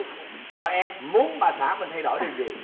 rồi em muốn bà xã mình thay đổi điều gì